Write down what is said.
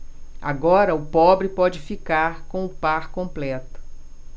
agora o pobre pode ficar com o par completo